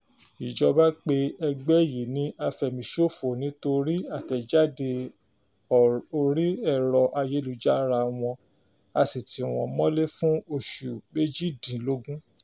Ìjọba pe ẹgbẹ́ yìí ni "afẹ̀míṣòfò" nítorí àtẹ̀jáde orí ẹ̀rọ-ayélujára wọn a sì ti wọ́n mọ́lé fún oṣù 18.